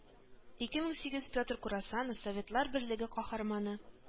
Ике мең сигез петр курасанов, советлар берлеге каһарманы